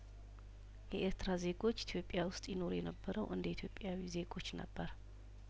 የኤርትራ ዜጐች ኢትዮጵያ ውስጥ ይኖሩ የነበረው እንደ ኢትዮጵያዊ ዜጐች ነበር